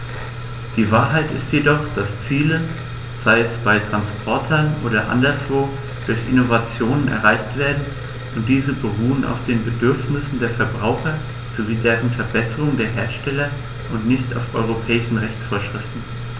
Die Wahrheit ist jedoch, dass Ziele, sei es bei Transportern oder woanders, durch Innovationen erreicht werden, und diese beruhen auf den Bedürfnissen der Verbraucher sowie den Verbesserungen der Hersteller und nicht nur auf europäischen Rechtsvorschriften.